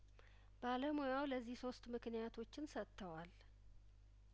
ባለሞያው ለዚህ ሶስት ምክንያቶችን ሰጥተዋል